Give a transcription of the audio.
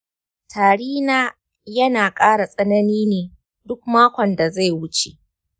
tari na yana ƙara tsanani ne duk makon da zai wuce.